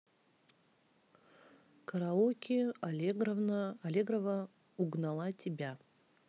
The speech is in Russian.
караоке аллегрова угнала тебя